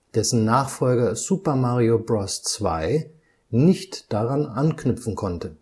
dessen Nachfolger Super Mario Bros. 2 (NES, 1988) nicht daran anknüpfen konnte